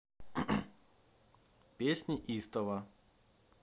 песни истова